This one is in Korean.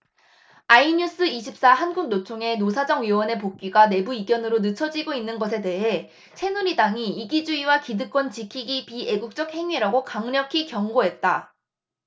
아이뉴스 이십 사 한국노총의 노사정위원회 복귀가 내부 이견으로 늦춰지고 있는 것에 대해 새누리당이 이기주의와 기득권 지키기 비애국적 행위라고 강력히 경고했다